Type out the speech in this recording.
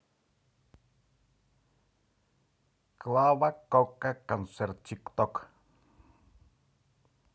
клава кока концерт тик ток